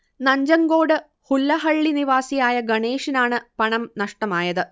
നഞ്ചൻകോട് ഹുല്ലഹള്ളി നിവാസിയായ ഗണേഷിനാണ് പണം നഷ്ടമായത്